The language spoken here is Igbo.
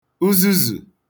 uzuzù